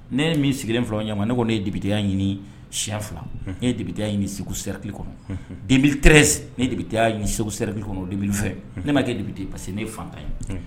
Ne min sigilen fila ɲɔgɔn ma ne kɔni ne ye debiya ɲini si fila ne ye de ɲini segu siratili kɔnɔre ne de bɛ taa ɲini seguti kɔnɔ obili fɛ ne ma kɛ debi parce que ne fantan ye